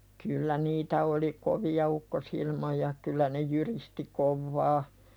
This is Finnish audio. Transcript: kyllä niitä oli kovia ukkosilmoja kyllä ne jyristi kovaa